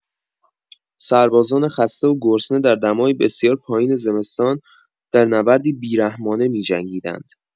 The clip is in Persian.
سربازان خسته و گرسنه در دمای بسیار پایین زمستان درنبردی بی‌رحمانه می‌جنگیدند.